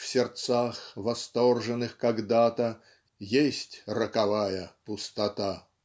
В сердцах, восторженных когда-то, Есть роковая пустота.